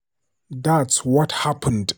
That's what happened.